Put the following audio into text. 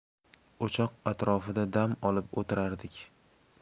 o'choq atrofida dam olib o'tirardik